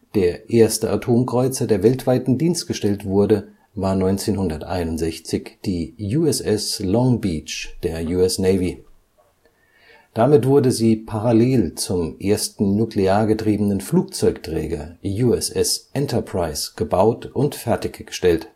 Der erste Atomkreuzer, der weltweit in Dienst gestellt wurde, war 1961 die USS Long Beach (CGN-9) der US Navy. Damit wurde sie parallel zum ersten nuklear getriebenen Flugzeugträger USS Enterprise (CVN-65) gebaut und fertiggestellt